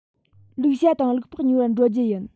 ལུག ཤ དང ལུག ལྤགས ཉོ བར འགྲོ རྒྱུ ཡིན